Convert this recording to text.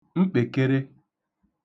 mkpèkere